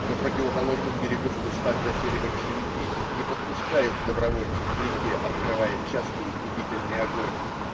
На противоположном берегу в кустах засели большевики, не подпускают добровольцев к реке, открывая частый, губительный огонь.